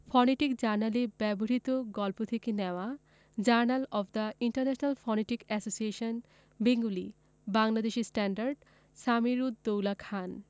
phonetic জার্নালে ব্যবহিত গল্প থেকে নেওয়া journal of the international phonetic association Bengali Bangladeshi standard Samir ud Daula Khan